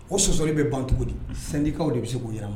O sɔsɔli bɛ banugu di sandikaw de bɛ se k'o yɛrɛ ma